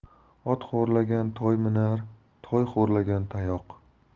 ot xo'rlagan toy minar toy xo'rlagan tayoq